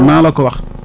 maa la ko wax